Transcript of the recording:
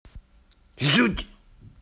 жуть